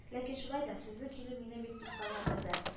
Ләкин шулай да, сезнең килү мине бик дулкынландырды, м